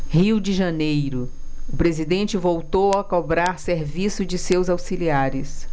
rio de janeiro o presidente voltou a cobrar serviço de seus auxiliares